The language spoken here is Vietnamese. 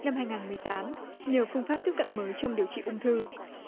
năm hai ngàn mười tám nhờ phương pháp tiếp cận mới trong điều trị ung thư